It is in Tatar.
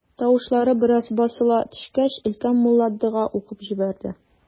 Тавышлар бераз басыла төшкәч, өлкән мулла дога укып җибәрде.